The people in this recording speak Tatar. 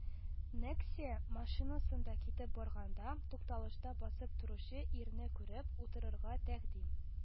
Нексия” машинасында китеп барганда, тукталышта басып торучы ирне күреп, утырырга тәкъдим